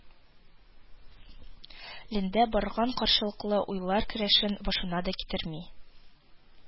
Лендә барган каршылыклы уйлар көрәшен башына да китерми